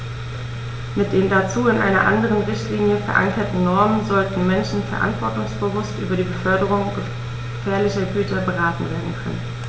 Mit den dazu in einer anderen Richtlinie, verankerten Normen sollten Menschen verantwortungsbewusst über die Beförderung gefährlicher Güter beraten werden können.